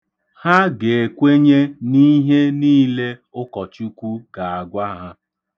Ha ga-ekwenye n'ihe niile ụkọchukwu ga-agwa ha.